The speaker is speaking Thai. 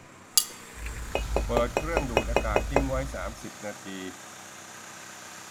เปิดเครื่องดูดอากาศทิ้งไว้สามสิบนาที